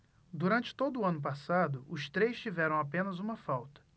durante todo o ano passado os três tiveram apenas uma falta